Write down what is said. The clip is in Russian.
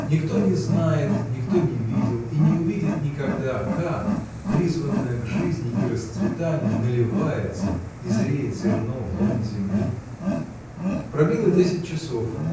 Никто не знает, никто не видел и не увидит никогда, как, призванное к жизни и расцветанию, наливается и зреет зерно в лоне земли. Пробило десять часов.